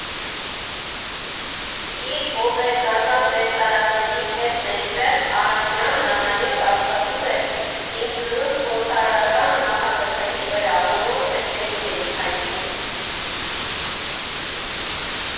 Իր հովվերգական տեսարանների հետ մեկտեղ, Ալաջյանը նաև աշխատում էր ինքնուրույն, փորձարարական նախագծերի վրա, որոնք քչերին են հայտնի։